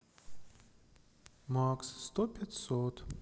макс сто пятьсот